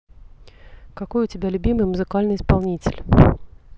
какой у тебя любимый музыкальный исполнитель